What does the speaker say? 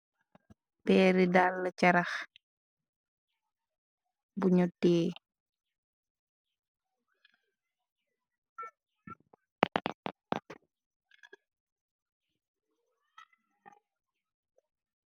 Peeri dall carax buñu tii.